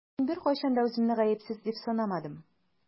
Мин беркайчан да үземне гаепсез дип санамадым.